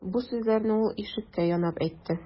Бу сүзләрне ул ишеккә янап әйтте.